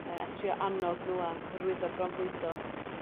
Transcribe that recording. Yy a trio annog n'w a hyrwyddo bronfwydo?